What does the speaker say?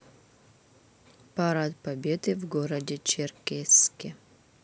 парад победы в городе черкесске